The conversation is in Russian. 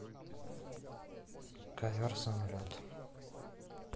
ковер самолет